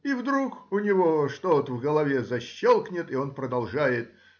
и вдруг у него что-то в голове защелкнет, и он продолжает